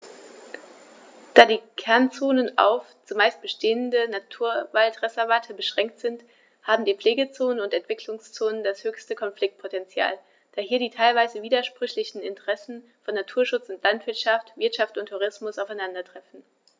Da die Kernzonen auf – zumeist bestehende – Naturwaldreservate beschränkt sind, haben die Pflegezonen und Entwicklungszonen das höchste Konfliktpotential, da hier die teilweise widersprüchlichen Interessen von Naturschutz und Landwirtschaft, Wirtschaft und Tourismus aufeinandertreffen.